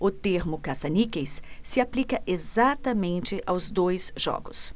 o termo caça-níqueis se aplica exatamente aos dois jogos